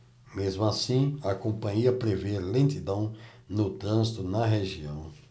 mesmo assim a companhia prevê lentidão no trânsito na região